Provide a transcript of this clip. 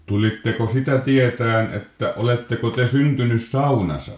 tulitteko sitä tietämään että oletteko te syntynyt saunassa